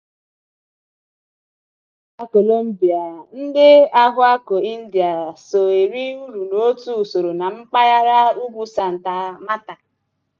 Na mpaghara ọzọ nke mba Colombia, ndị Arhuaco India so eri uru n'otu usoro na mpaghara ugwu Santa Marta.